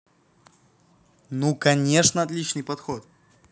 ну конечно отличный подход